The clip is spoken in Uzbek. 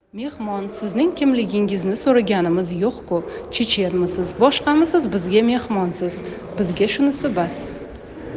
mehmon sizning kimligingizni so'raganimiz yo'q ku chechenmisiz boshqamisiz bizga mehmonsiz bizga shunisi bas